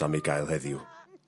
...am ei gael heddiw.